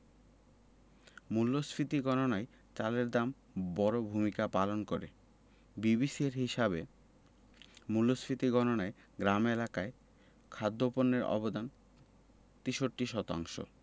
মূল্যস্ফীতি গণনায় চালের দাম বড় ভূমিকা পালন করে বিবিএসের হিসাবে মূল্যস্ফীতি গণনায় গ্রাম এলাকায় খাদ্যপণ্যের অবদান ৬৩ শতাংশ